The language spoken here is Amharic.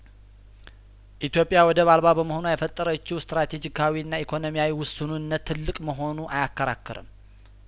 ኢትዮጵያ ወደብ አልባ በመሆኗ የተፈጠረው ስትራቴጂካዊና ኢኮኖሚያዊ ውሱንነት ትልቅ መሆኑ አያከራክርም